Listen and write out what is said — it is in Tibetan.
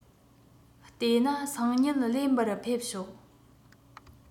དེ ན སང ཉིན ལེན པར ཕེབས ཤོག